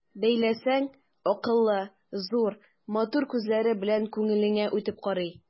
Бәйләсәң, акыллы, зур, матур күзләре белән күңелеңә үтеп карый.